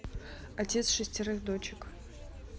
отец шестерых дочек